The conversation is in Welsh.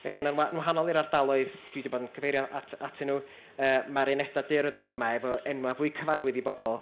Felly, yn wa- yn wahanol i'r ardaloedd, dw i 'di bod yn cyfeirio at- atyn nhw, yy ma'r unedau daearyddol yma efo enwau fwy cyfarwydd i bobl,